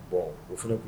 Bon o fɛnɛ t